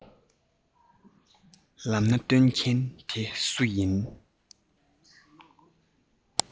ལམ སྣ སྟོན མཁན དེ སུ ཡིན